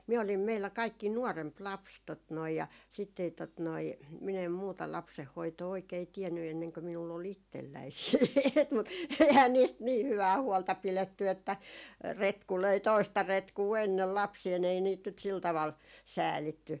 minä olin meillä kaikkein nuorempi lapsi tuota noin ja sitten ei tuota noin minä en muuta lapsenhoitoa oikein tiennyt ennen kuin minulla oli itselläni sitten mutta eihän niistä niin hyvää huolta pidetty että retku löi toista retkua ennen lapsia ei niitä nyt sillä tavalla säälitty